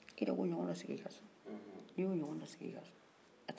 n'i y'o ɲɔgɔn dɔ sigi i ka so a te taali kun b'ala ka so bilen wo